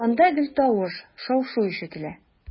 Анда гел тавыш, шау-шу ишетелә.